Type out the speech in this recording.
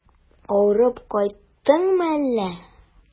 Авырып кайттыңмы әллә?